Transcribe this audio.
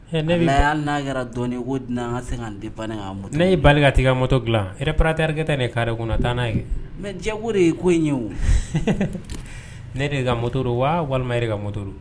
Ne y'a'a yɛrɛ dɔn ko dunan se bali ne ye bali ka tigɛ ka mɔ dila epratakɛta nin kare kɔnɔ taa n'a ye mɛ diyago de ye ko in ye o ne de ka mɔtoro wa walima yɛrɛ ka mɔtoro